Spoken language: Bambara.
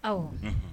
Aw